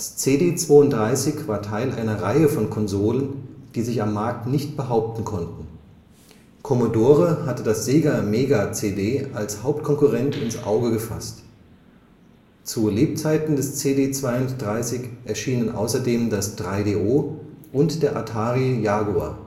CD³² war Teil einer Reihe von Konsolen, die sich am Markt nicht behaupten konnten. Commodore hatte das Sega Mega-CD als Hauptkonkurrent ins Auge gefasst. Zu Lebzeiten des CD³² erschienen außerdem das 3DO und der Atari Jaguar